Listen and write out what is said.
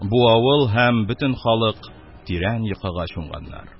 Бу авыл һәм бөтен халык тирән йокыга чумганнар.